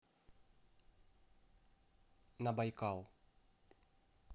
на байкал